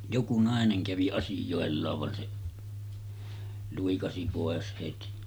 joku nainen kävi asioillaan vaan se luikasi pois heti